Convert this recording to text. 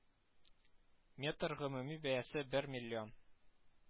Метр гомуми бәясе бер миллион